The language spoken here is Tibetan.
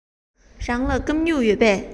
རང ལ སྐམ སྨྱུག ཡོད པས